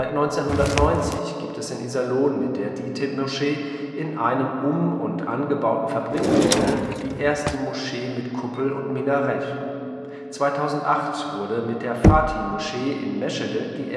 1990 gibt es in Iserlohn mit der DİTİB-Moschee, in einem um - und angebauten Fabrikgebäude, die erste Moschee mit Kuppel und Minarett. 2008 wurde mit der Fatih-Moschee in Meschede die